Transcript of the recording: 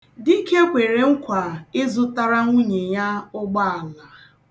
Dike kwere nkwa ịzụtara nwunye ya ụgbọala.